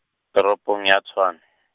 toropong ya Tshwane.